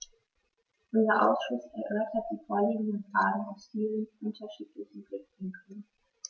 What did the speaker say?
Unser Ausschuss erörtert die vorliegenden Fragen aus vielen unterschiedlichen Blickwinkeln.